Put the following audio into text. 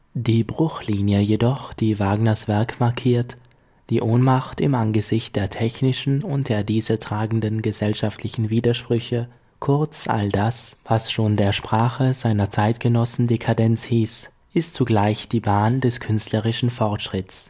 Die Bruchlinie jedoch, die Wagners Werk markiert, die Ohnmacht im Angesicht der technischen und der diese tragenden gesellschaftlichen Widersprüche, kurz all das, was schon der Sprache seiner Zeitgenossen Dekadenz hieß, ist zugleich die Bahn des künstlerischen Fortschritts